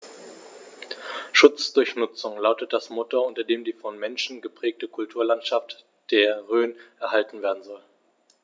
„Schutz durch Nutzung“ lautet das Motto, unter dem die vom Menschen geprägte Kulturlandschaft der Rhön erhalten werden soll.